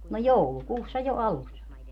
no joulukuussa jo alussa